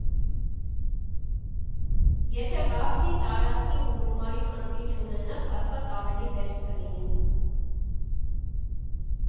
Եթե վարձի, տարածքի ու գումարի խնդիր չունենաս, հաստատ ավելի հեշտ կլինի։